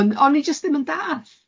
O'n o'n i jyst ddim yn dallt.